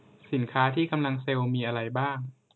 สินค้าที่กำลังเซลล์มีอะไรบ้าง